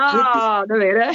O 'na fe de.